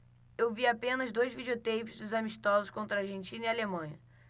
eu vi apenas dois videoteipes dos amistosos contra argentina e alemanha